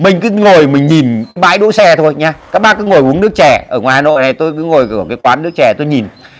mình cứ ngồi mình nhìn bãi đỗ xe thôi nha các bác cứ ngồi uống nước chè ở ngoài hà nội này tôi cứ ngồi cái quán nước chè tôi nhìn